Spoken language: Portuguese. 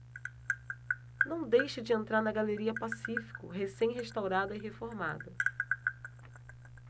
não deixe de entrar na galeria pacífico recém restaurada e reformada